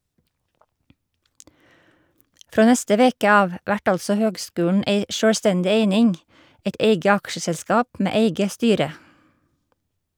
Frå neste veke av vert altså høgskulen ei sjølvstendig eining , eit eige aksjeselskap med eige styre.